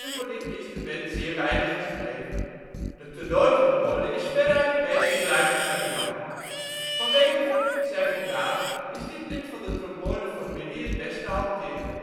voor dit instrument zeer weinig geschreven. De tenortrombone is veruit de meest gebruikte variant. Vanwege zijn formaat is dit lid van de trombone familie het best te hanteren